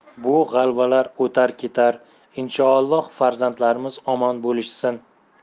bu g'alvalar o'tar ketar inshoolloh farzandlarimiz omon bo'lishsin